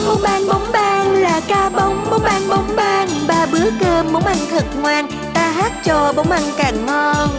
bống bang bống bang là cá bống bống bang bống bang ba bữa cơm bống ăn thật ngoan ta hát cho bống ăn càng ngon